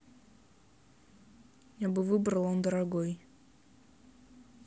я бы выбрал он дорогой